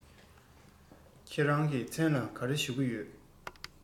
ཁྱེད རང གི མཚན ལ ག རེ ཞུ གི ཡོད